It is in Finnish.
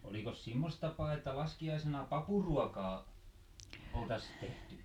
olikos semmoista tapaa että laskiaisena papuruokaa oltaisiin tehty